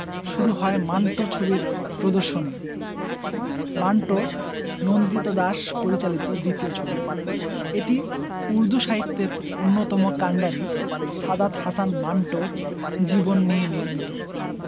শুরু হয় মান্টো ছবির প্রদর্শনী মান্টো নন্দিতা দাস পরিচালিত দ্বিতীয় ছবি এটি উর্দু সাহিত্যের অন্যতম কান্ডারি সাদাত হাসান মান্টোর জীবন নিয়ে নির্মিত